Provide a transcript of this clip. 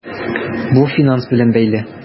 Бу финанс белән бәйле.